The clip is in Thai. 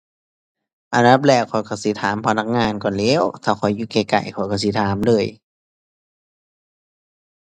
อันดับแรกข้อยก็สิถามพนักงานก่อนแหล้ว ถ้าข้อยอยู่ใกล้ใกล้ข้อยก็สิถามเลย